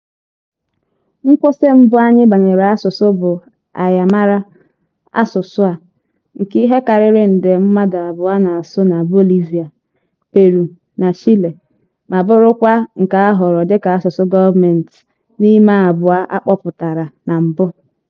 Nkwụsị mbụ anyị banyere asụsụ bụ Aymara; asụsụ a, nke ihe karịrị nde mmadụ abụọ na-asụ na Bolivia, Peru na Chile ma bụrụkwa nke a họọrọ dịka asụsụ gọọmentị n'ime abụọ a kpọpụtara na mbụ.